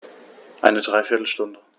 Eine dreiviertel Stunde